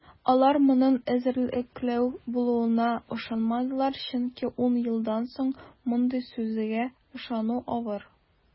Алар моның эзәрлекләү булуына ышанмадылар, чөнки ун елдан соң мондый сүзгә ышану авыр.